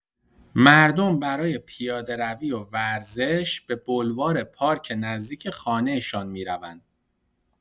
مردم برای پیاده‌روی و ورزش به بولوار پارک نزدیک خانه‌شان می‌روند.